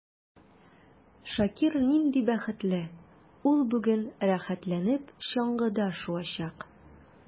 Шакир нинди бәхетле: ул бүген рәхәтләнеп чаңгыда шуачак.